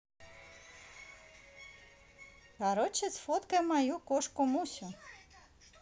короче сфоткай мою кошку мусю